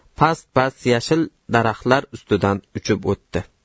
past past yashil daraxtlar ustidan uchib o'tdi